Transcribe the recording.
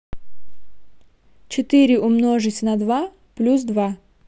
четыре умножить на два плюс два